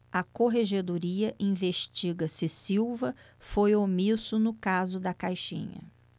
a corregedoria investiga se silva foi omisso no caso da caixinha